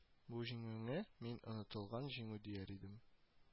Бу җиңүне мин онытылган җиңү дияр идем